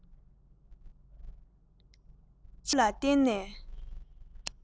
ཆིག ལབ ལ བརྟེན ནས